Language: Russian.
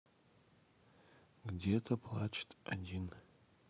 где то плачет один